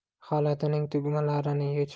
xalatining tugmalarini yechib